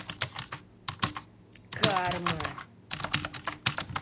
карма